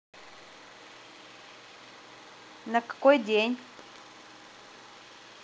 на какой день